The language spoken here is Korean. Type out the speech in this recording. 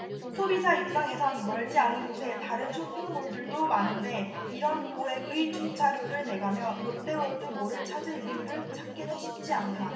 소비자 입장에선 멀지 않은 곳에 다른 쇼핑 몰들도 많은데 이런 고액의 주차료를 내가며 롯데월드몰을 찾을 이유를 찾기는 쉽지 않다